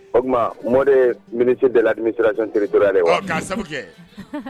O tuma Modi yee ministre de l'administration territoriale ye wa ɔn k'a sabu kɛ